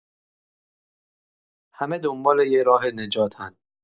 همه دنبال یه راه نجاتن.